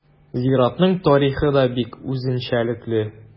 Зиратның тарихы да бик үзенчәлекле.